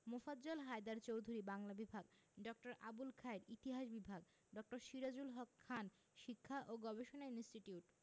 মোফাজ্জল হায়দার চৌধুরী বাংলা বিভাগ ড. আবুল খায়ের ইতিহাস বিভাগ ড. সিরাজুল হক খান শিক্ষা ও গবেষণা ইনস্টিটিউট